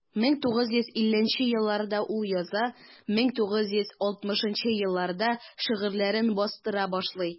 1950 елларда ул яза, 1960 елларда шигырьләрен бастыра башлый.